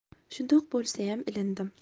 shundoq bo'lsayam ilindim